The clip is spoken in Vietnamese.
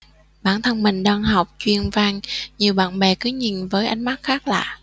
bản thân mình đang học chuyên văn nhiều bạn bè cứ nhìn với ánh mắt khác lạ